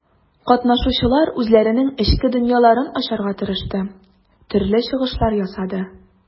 Катнашучылар үзләренең эчке дөньяларын ачарга тырышты, төрле чыгышлар ясады.